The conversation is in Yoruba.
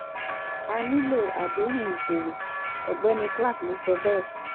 "A nílò àdéhùn ìṣòwò,” Ọ̀gbẹ́ni Clark ló sọ bẹ́ẹ̀.